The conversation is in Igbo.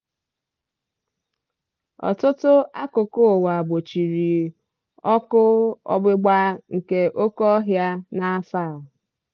Ọtụtụ akụkụ ụwa gbochiri ọkụ ọgbụgba nke oke ọhịa n'afọ a.